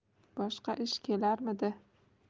boshqa ish kelarmidi